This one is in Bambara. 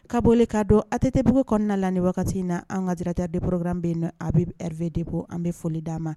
Ka boli k'a dɔn atɛteugu kɔnɔna la wagati in na an kadira deorokurannen na a bɛ p debo an bɛ foli d'a ma